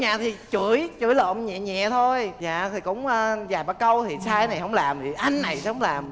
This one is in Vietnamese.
nhà thì chửi chửi lộn nhẹ nhẹ thôi dạ thì cũng dài ba câu thì sai cái này hổng làm anh này sao hổng làm